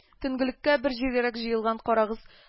Төнгелеккә бер җиргәрәк җыелган кыргыз